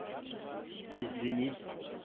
Извини